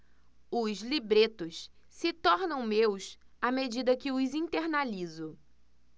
os libretos se tornam meus à medida que os internalizo